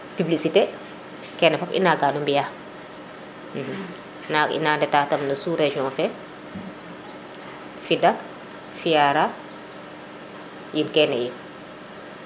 publicité kene fop i nanga no mbiya ina ndeta tamit no sous région fe Fidac Fiyara i kene yiin